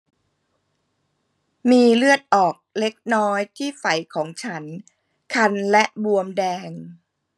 มีเลือดออกเล็กน้อยที่ไฝของฉันคันและบวมแดง